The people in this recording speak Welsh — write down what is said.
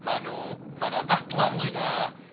Maen nhw... Mae 'na ddadlau ynglyn â...